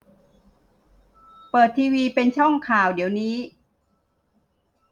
เปิดทีวีเป็นช่องข่าวเดี๋ยวนี้